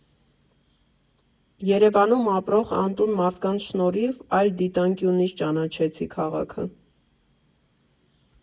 Երևանում ապրող անտուն մարդկանց շնորհիվ այլ դիտանկյունից ճանաչեցի քաղաքը։